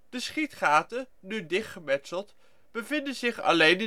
De schietgaten - nu dichtgemetseld - bevinden zich alleen